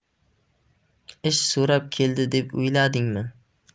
ish so'rab keldi deb o'yladingmi